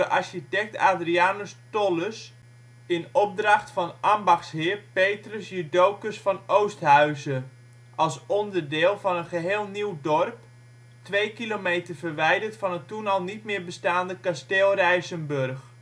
architect Adrianus Tollus in opdracht van ambachtsheer Petrus Judocus van Oosthuyse, als onderdeel van een geheel nieuw dorp, 2 km verwijderd van het toen al niet meer bestaande kasteel Rijsenburg